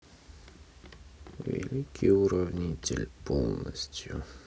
великий уравнитель полностью